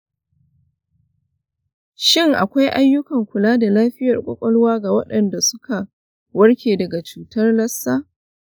shin akwai ayyukan kula da lafiyar kwakwalwa ga waɗanda suka warke daga cutar lassa?